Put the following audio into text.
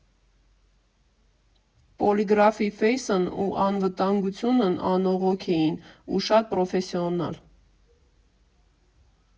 Պոլիգրաֆի ֆեյսն ու անվտանգությունն անողոք էին ու շատ պրոֆեսիոնալ։